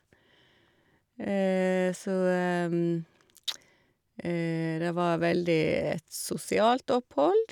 Så det var veldig et sosialt opphold.